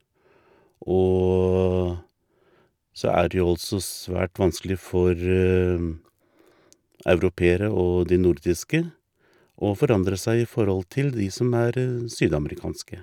Og så er det jo altså svært vanskelig for europeere og de nordiske å forandre seg i forhold til de som er sydamerikanske.